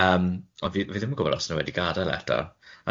Yym, ond fi fi ddim yn gwybod os nw wedi gadel eto.